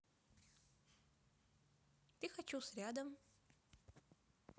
ты хочу с рядом